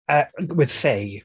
Yy, with Faye.